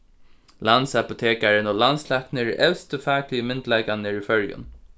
landsapotekarin og landslæknin eru evstu fakligu myndugleikarnir í føroyum